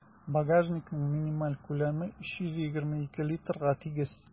Багажникның минималь күләме 322 литрга тигез.